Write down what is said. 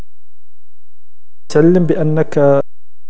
سلم بانك